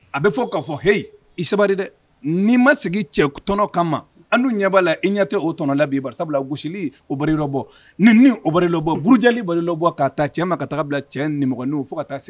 A bɛ fɔ k'a fɔ he i sabari dɛ n'i ma sigi cɛ tɔnɔ kama an' du ɲɛ b'a la i ɲɛ tɛ o tɔnɔ la bi barsabula gosili o bar'i lɔ bɔ nenni o bar'i lɔbɔ burujali bar'i lɔbɔ ka taa cɛ ma ka taga bila cɛ nimɔgɔninw fo ka taa se